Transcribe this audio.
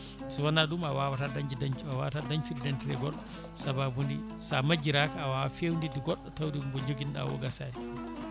so wona ɗum a wawata dañje a wawata dañcude d' identité goɗɗo sababude sa majjiraka a wawa fewnidde goɗɗo tawde mo joguinoɗa o gasani